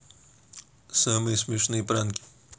самые смешные пранки